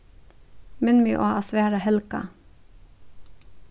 minn meg á at svara helga